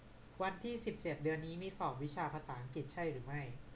วันที่สิบเจ็ดเดือนนี้มีสอบวิชาภาษาอังกฤษใช่หรือไม่